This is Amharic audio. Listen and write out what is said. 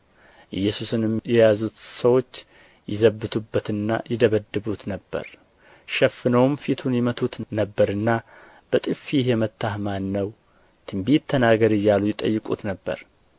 ኢየሱስንም የያዙት ሰዎች ይዘብቱበትና ይደበድቡት ነበር ሸፍነውም ፊቱን ይመቱት ነበርና በጥፊ የመታህ ማን ነው ትንቢት ተናገር እያሉ ይጠይቁት ነበር